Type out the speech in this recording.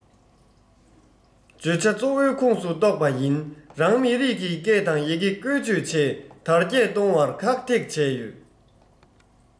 བརྗོད བྱ གཙོ བོའི ཁོངས སུ གཏོགས པ ཡིན རང མི རིགས ཀྱི སྐད དང ཡི གེ བཀོལ སྤྱོད བྱས དར རྒྱས གཏོང བར ཁག ཐེག བྱས ཡོད